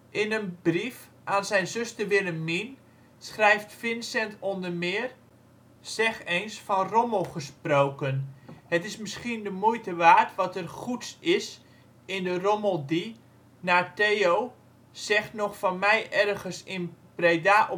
de brief (W.4 van eind juni 1888 uit Arles) aan zijn zuster Willemien, schrijft Vincent onder meer " Zeg eens van rommel gesproken. Het is misschien de moeite waard wat er goeds is in de rommel die, naar Theo, zegt nog van mij ergens in Breda